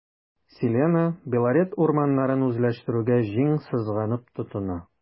“селена” белорет урманнарын үзләштерүгә җиң сызганып тотына.